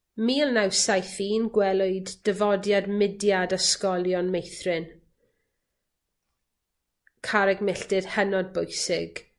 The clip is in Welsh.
Mil naw saith un gwelwyd dyfodiad mudiad ysgolion meithrin, carreg milltir hynod bwysig.